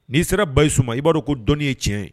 N'i sera Bayisu ma i b'a dɔn ko dɔnni ye tiɲɛ ye.